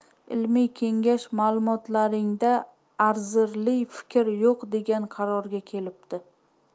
ilmiy kengash malumotlaringda arzirli fikr yo'q degan qarorga kelibdi